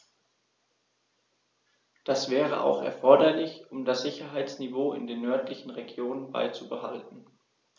Das wäre auch erforderlich, um das Sicherheitsniveau in den nördlichen Regionen beizubehalten.